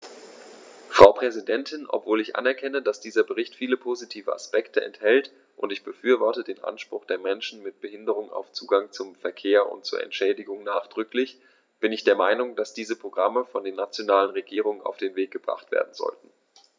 Frau Präsidentin, obwohl ich anerkenne, dass dieser Bericht viele positive Aspekte enthält - und ich befürworte den Anspruch der Menschen mit Behinderung auf Zugang zum Verkehr und zu Entschädigung nachdrücklich -, bin ich der Meinung, dass diese Programme von den nationalen Regierungen auf den Weg gebracht werden sollten.